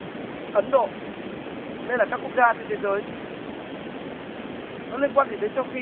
ấn độ đây là các quốc gia trên thế giới nó liên quan gì đến seo phi